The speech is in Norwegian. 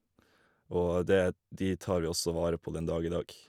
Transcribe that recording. Og det er de tar vi også vare på den dag i dag.